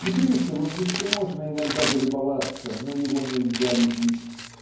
И Брюсовым еще можно иногда залюбоваться, но его нельзя любить.